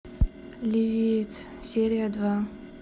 ливиец серия два